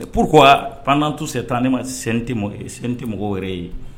Pur pan tun se tan ne ma tɛ tɛ mɔgɔw yɛrɛ ye